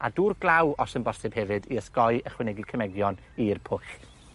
a dŵr glaw os yn bosib hefyd i ysgoi ychwanegu cymegion i'r pwll.